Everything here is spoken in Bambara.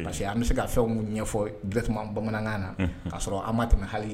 Parce que an bɛ se ka fɛnw mun ɲɛfɔlot bamanankan na k kaa sɔrɔ an ma tɛmɛ hali ye